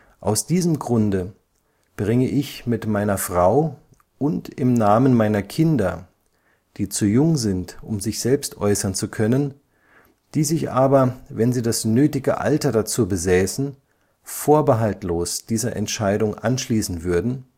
Aus diesem Grunde bringe ich mit meiner Frau und im Namen meiner Kinder, die zu jung sind, um sich selbst äußern zu können, die sich aber, wenn sie das nötige Alter dazu besäßen, vorbehaltlos dieser Entscheidung anschließen würden